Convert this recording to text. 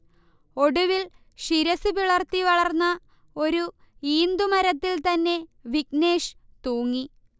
ഒടുവിൽ ശിരസുപിളർത്തി വളർന്ന ഒരു ഈന്തു മരത്തിൽ തന്നെ വിഘ്നേശ് തൂങ്ങി